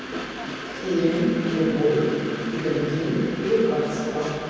фильм любовь и другие лекарства